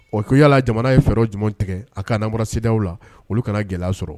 O koy yalaala jamana ye fɛ o jumɛn tigɛ a ka na bɔrasidaw la olu kana gɛlɛya sɔrɔ